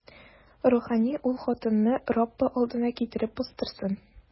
Рухани ул хатынны Раббы алдына китереп бастырсын.